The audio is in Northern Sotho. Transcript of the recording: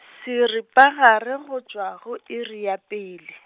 seripagare go tšwa, go iri ya pele.